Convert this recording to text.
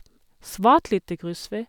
Svært lite grusvei.